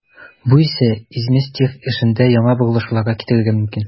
Бу исә Изместьев эшендә яңа борылышларга китерергә мөмкин.